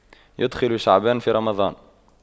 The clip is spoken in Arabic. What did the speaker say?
يُدْخِلُ شعبان في رمضان